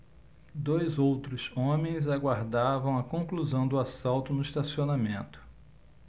dois outros homens aguardavam a conclusão do assalto no estacionamento